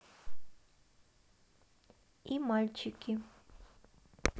и мальчики